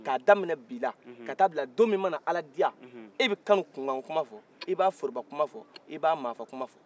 ka daminɛ bila kata bila don min mana ala diya e bɛ kanu kunkan kuma fo i b'a foroba kuma fo i b'a maa faa kuma fo